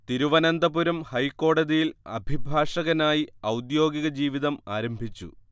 തിരുവനന്തപുരം ഹൈക്കോടതിയിൽ അഭിഭാഷകനായി ഔദ്യോഗിക ജീവിതം ആരംഭിച്ചു